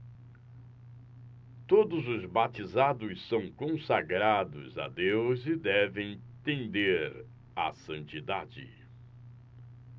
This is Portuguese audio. todos os batizados são consagrados a deus e devem tender à santidade